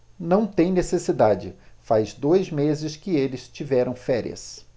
não tem necessidade faz dois meses que eles tiveram férias